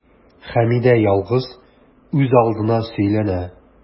Хәмидә ялгыз, үзалдына сөйләнә.